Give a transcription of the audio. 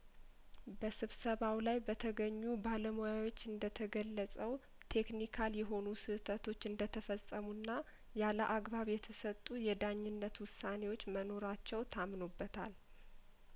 በስብሰባው ላይ በተገኙ ባለሙያዎች እንደተገለጸው ቴክኒካል የሆኑ ስህተቶች እንደተፈጸሙና ያለአግባብ የተሰጡ የዳኝነት ውሳኔዎች መኖራቸው ታምኖበታል